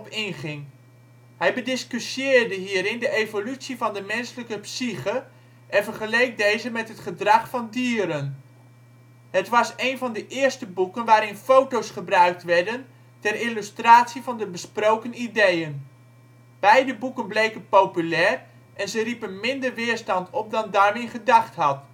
inging. Hij bediscussieerde hierin de evolutie van de menselijke psyche en vergeleek deze met het gedrag van dieren. Het was een van de eerste boeken waarin foto 's gebruikt werden ter illustratie van de besproken ideeën. Beide boeken bleken populair en ze riepen minder weerstand op dan Darwin gedacht had